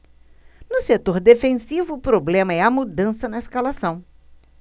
no setor defensivo o problema é a mudança na escalação